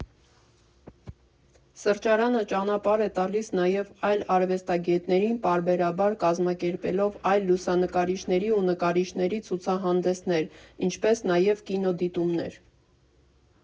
Սրճարանը ճանապարհ է տալիս նաև այլ արվեստագետներին՝ պարբերաբար կազմակերպելով այլ լուսանկարիչների ու նկարիչների ցուցահանդեսներ, ինչպես նաև կինոդիտումներ։